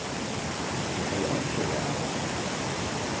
eg hevði einki val